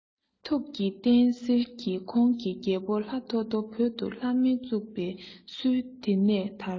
ཐུགས ཀྱི རྟེན གསེར གྱི ཁོང གིས རྒྱལ པོ ལྷ ཐོ ཐོ བོད དུ བླ སྨན འཛུགས པའི སྲོལ དེ ནས དར རོ